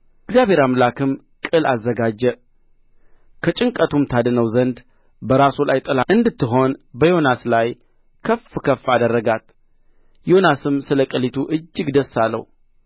እግዚአብሔር አምላክም ቅል አዘጋጀ ከጭንቀቱም ታድነው ዘንድ በራሱ ላይ ጥላ እንድትሆን በዮናስ ላይ ከፍ ከፍ አደረጋት ዮናስም ስለ ቅሊቱ እጅግ ደስ አለው